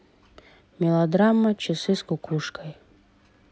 мелодрама часы с кукушкой